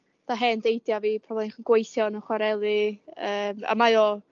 'tha hen deidia fi probably yn gweithio yn y chwareli yy a mae o